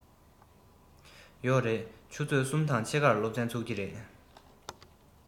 ཡོད རེད ཆུ ཚོད གསུམ དང ཕྱེད ཀར སློབ ཚན ཚུགས ཀྱི རེད